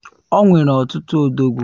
Ọ nwere ọtụtụ odogwu.